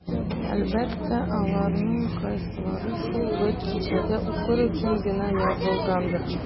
Әлбәттә, аларның кайсылары шул бер кичәдә укыр өчен генә язылгандыр.